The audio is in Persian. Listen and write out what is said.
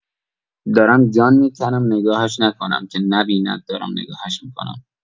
دارم جان می‌کنم نگاهش نکنم، که نبیند دارم نگاهش می‌کنم.